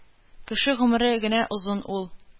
Кеше гомере генә озын ул,